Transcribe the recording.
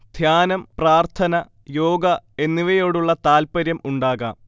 ധ്യാനം, പ്രാര്ത്ഥന, യോഗ എന്നിവയോടുള്ള താല്പര്യം ഉണ്ടാകാം